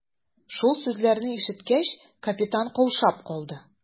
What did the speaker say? Шул сүзләрне ишеткәч, капитан каушап калды.